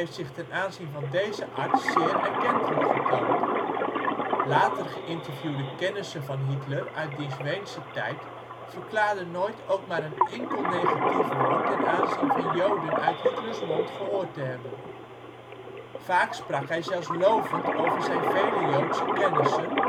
zich ten aanzien van deze arts zeer erkentelijk getoond. Later geïnterviewde kennissen van Hitler uit diens Weense tijd verklaarden nooit ook maar een enkel negatief woord ten aanzien van joden uit Hitlers mond gehoord te hebben. Vaak sprak hij zelfs lovend over zijn vele joodse kennissen